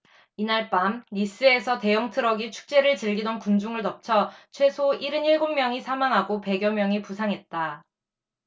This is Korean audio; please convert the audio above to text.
이날 밤 니스에서 대형트럭이 축제를 즐기던 군중을 덮쳐 최소 일흔 일곱 명이 사망하고 백 여 명이 부상했다